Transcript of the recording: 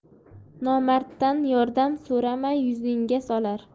nomarddan yordam so'rama yuzingga solar